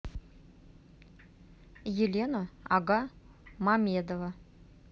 елена агамамедова